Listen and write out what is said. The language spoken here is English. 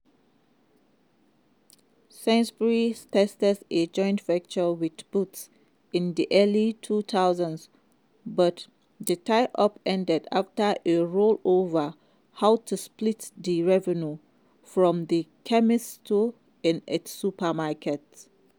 Sainsbury's tested a joint venture with Boots in the early 2000s, but the tie-up ended after a row over how to split the revenues from the chemist's stores in its supermarkets.